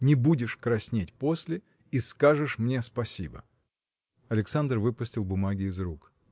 – не будешь краснеть после и скажешь мне спасибо. Александр выпустил бумаги из рук.